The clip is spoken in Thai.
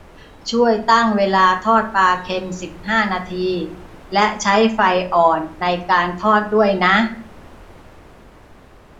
ช่วยตั้งเวลาทอดปลาเค็มสิบห้านาทีและใช้ไฟอ่อนในการทอดด้วยนะ